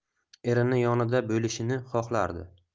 erini yonida bo'lishini xohlardi